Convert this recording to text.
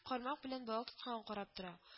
Кармак белән балык тотканын карап тора